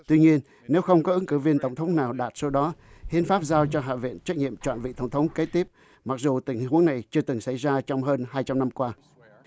tuy nhiên nếu không có ứng cử viên tổng thống nào đạt số đó hiến pháp giao cho hạ viện trách nhiệm chọn vị tổng thống kế tiếp mặc dù tình huống này chưa từng xảy ra trong hơn hai trăm năm qua